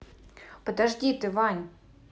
подожди ты вань